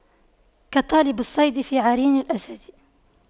كطالب الصيد في عرين الأسد